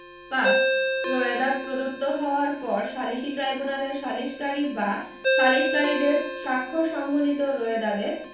৫ রোয়েদাদ প্রদত্ত হওয়ার পর সালিসী ট্রাইব্যুনালের সালিসকারী বা সালিসকারীদের স্বাক্ষর সম্বলিত রোয়েদাদের